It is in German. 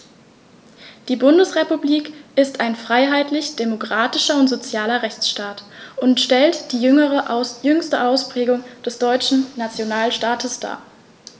Die Bundesrepublik ist ein freiheitlich-demokratischer und sozialer Rechtsstaat und stellt die jüngste Ausprägung des deutschen Nationalstaates dar.